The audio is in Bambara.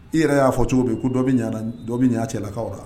I yɛrɛ y'a fɔ cogo min ko dɔ bɛ ɲa la, ko dɔ bɛ ɲa cɛlakaw la